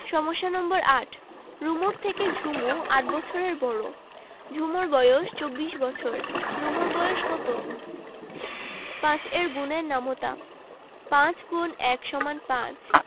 সমস্যা নম্বর ৮ রুমুর থেকে ঝুমু ৮ বছরের বড় ঝুমুর বয়স ২৪ বছর রুমুর বয়স কত ৫ এর গুণের নামতা ৫× ১ = ৫